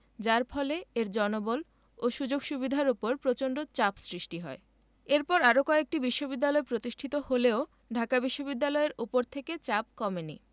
যার ফলে এর জনবল ও সুযোগ সুবিধার ওপর প্রচন্ড চাপ সৃষ্টি হয় এরপর আরও কয়েকটি বিশ্ববিদ্যালয় প্রতিষ্ঠিত হলেও ঢাকা বিশ্ববিদ্যালয়ের ওপর থেকে চাপ কমেনি